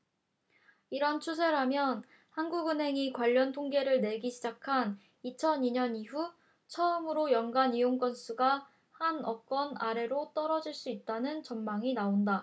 이런 추세라면 한국은행이 관련통계를 내기 시작한 이천 이 년 이후 처음으로 연간 이용 건수가 한 억건 아래로 떨어질 수 있다는 전망이 나온다